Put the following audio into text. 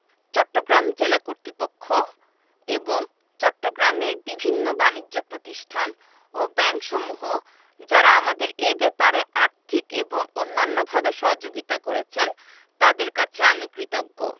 চট্টগ্রাম জেলা কর্তৃপক্ষ এবং চট্টগ্রামের বিভিন্ন বানিজ্য প্রতিষ্ঠান ও ব্যাংকসমূহ যারা আমাদের এ ব্যাপারে আর্থিক এবং অন্যান্যভাবে সহযোগিতা করেছেন তাঁদের কাছে আমি কৃতজ্ঞ